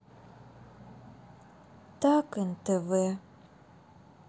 так нтв